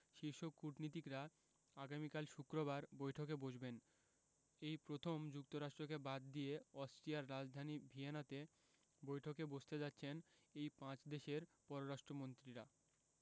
শীর্ষ কূটনীতিকরা আগামীকাল শুক্রবার বৈঠকে বসবেন এই প্রথম যুক্তরাষ্ট্রকে বাদ দিয়ে অস্ট্রিয়ার রাজধানী ভিয়েনাতে বৈঠকে বসতে যাচ্ছেন এই পাঁচ দেশের পররাষ্ট্রমন্ত্রীরা